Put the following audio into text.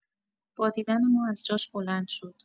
با دیدن ما از جاش بلند شد.